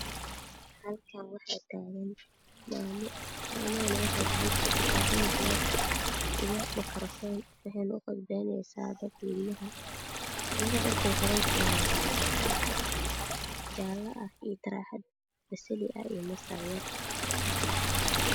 Halkaan waxaa taagan maamo cunug yar makarofan iyada dharka turaxad saako basali masar yar